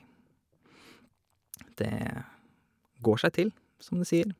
Det går seg til, som de sier.